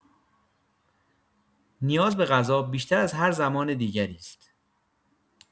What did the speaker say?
نیاز به غذا بیشتر از هر زمان دیگری است.